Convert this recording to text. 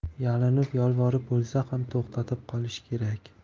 yalinib yolvorib bo'lsa ham to'xtatib qolish kerak